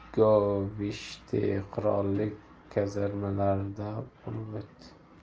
kazarmalarida bo'lib o'tdi